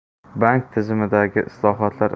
bank tizimidagi islohotlar